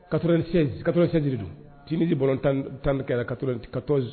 Karec katsɛsiriri don tiinisi bɔn tan tankɛ ka kasi